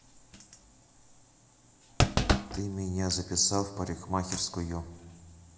ты меня записал в парикмахерскую